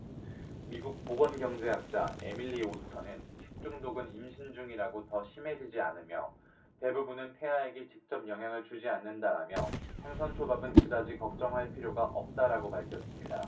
미국 보건경제학자 에밀리 오스터는 식중독은 임신 중이라고 더 심해지지 않으며 대부분은 태아에게 직접 영향을 주지 않는다라며 생선초밥은 그다지 걱정할 필요가 없다라고 밝혔습니다